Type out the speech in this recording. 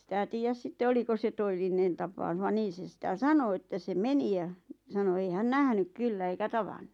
sitä tiedä sitten oliko se todellinen tapaus vaan niin se sitä sanoi että se meni ja sanoi ei hän nähnyt kyllä eikä tavannut